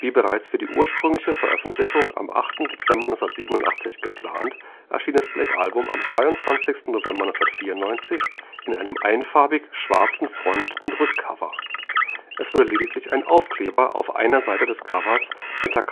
bereits für die ursprüngliche Veröffentlichung am 8. Dezember 1987 geplant, erschien das Black Album am 22. November 1994 in einem einfarbig schwarzen Front - und Rückcover. Es wurde lediglich ein Aufkleber auf einer Seite des Covers mit der Katalognummer